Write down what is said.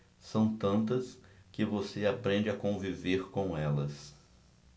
são tantas que você aprende a conviver com elas